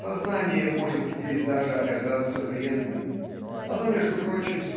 Сознание может здесь даже оказаться вредным. Оно между прочим